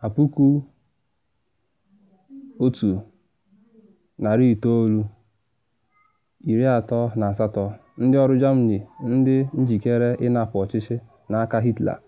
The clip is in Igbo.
Na 1938, ndị ọrụ Germany dị njikere ịnapụ ọchịchị n’aka Hitler,